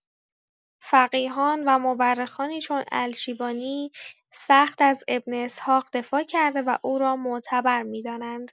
فقیهان و مورخانی چون الشیبانی، سخت از ابن اسحاق دفاع کرده و او را معتبر می‌دانند.